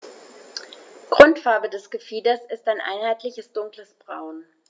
Grundfarbe des Gefieders ist ein einheitliches dunkles Braun.